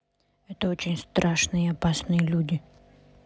это очень страшные и опасные люди